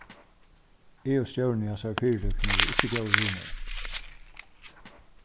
eg og stjórin í hasari fyritøkuni eru ikki góðir vinir